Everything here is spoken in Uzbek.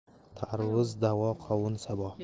tarvuz davo qovun sabo